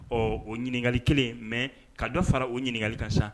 Ɔɔ o ɲininkali kelen mais ka dɔ fara o ɲininkali ka sa